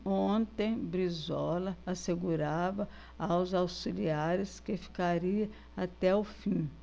ontem brizola assegurava aos auxiliares que ficaria até o fim